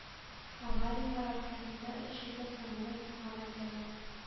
Аварияләр аркасында, өч йөзләп самолет суга мәтәлә.